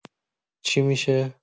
چی می‌شه؟